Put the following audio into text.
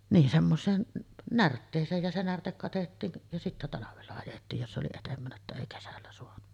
niin semmoiseen närtteeseen ja se närte katettiin ja sitten talvella ajettiin jos oli edempänä että ei kesällä saanut